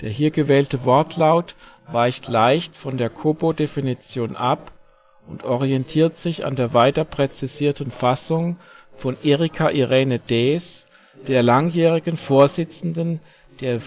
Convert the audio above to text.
hier gewählte Wortlaut weicht leicht von der Cobo-Definition ab und orientiert sich an der weiter präzisierten Fassung von Erika-Irene Daes, der langjährigen Vorsitzenden der